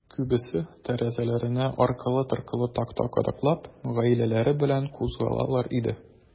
Күбесе, тәрәзәләренә аркылы-торкылы такта кадаклап, гаиләләре белән кузгалалар иде.